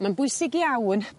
Mae'n bwysig iawn